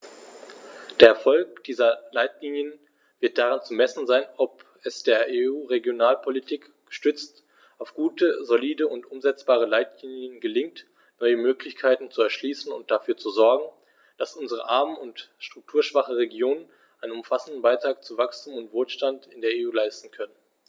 Der Erfolg dieser Leitlinien wird daran zu messen sein, ob es der EU-Regionalpolitik, gestützt auf gute, solide und umsetzbare Leitlinien, gelingt, neue Möglichkeiten zu erschließen und dafür zu sorgen, dass unsere armen und strukturschwachen Regionen einen umfassenden Beitrag zu Wachstum und Wohlstand in der EU leisten können.